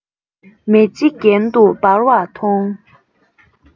མེ ལྕེ གྱེན དུ འབར བ མཐོང